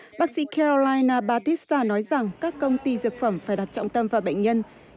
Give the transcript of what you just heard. bác sĩ keo li na ba kít tan nói rằng các công ty dược phẩm phải đặt trọng tâm vào bệnh nhân